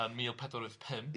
Yn mil pedwar wyth pump.